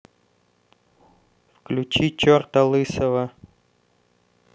включи черта лысого